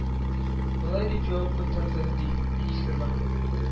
Болай дип җавап кайтарды, ди, министрга: